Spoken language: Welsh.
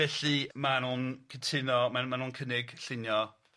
Felly ma' nhw'n cytuno ma'n ma' nhw'n cynnig llunio